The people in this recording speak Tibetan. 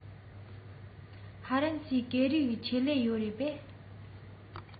ཧྥ རན སིའི སྐད ཡིག ཆེད ལས ཡོད རེད པས